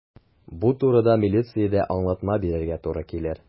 Бу турыда милициядә аңлатма бирергә туры килер.